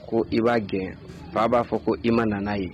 Ko i b'a gɛn fa b'a fɔ ko i ma nana ye